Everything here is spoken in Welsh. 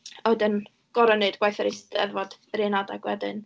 a wedyn gorod wneud gwaith yr Eisteddfod yr un adeg wedyn.